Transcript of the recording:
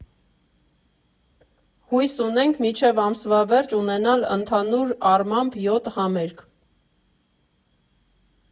Հույս ունենք մինչև ամսվա վերջ ունենալ ընդհանուր առմամբ յոթ համերգ։